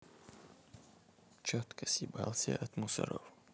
четко съебался от мусоров